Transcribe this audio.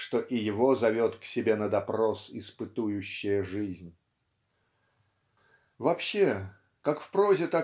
что и его зовет к себе на допрос испытующая жизнь. Вообще как в прозе